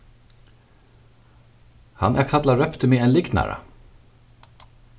hann at kalla rópti meg ein lygnara